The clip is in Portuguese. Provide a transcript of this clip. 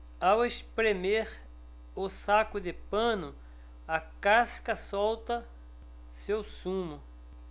ao espremer o saco de pano a casca solta seu sumo